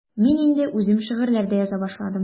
Мин инде үзем шигырьләр дә яза башладым.